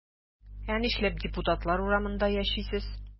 Ә нишләп депутатлар урамында яшисез?